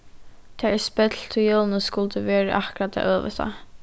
tað er spell tí jólini skuldu verið akkurát tað øvuta